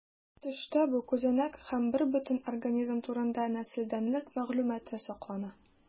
Төштә бу күзәнәк һәм бербөтен организм турында нәселдәнлек мәгълүматы саклана.